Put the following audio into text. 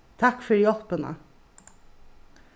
takk fyri hjálpina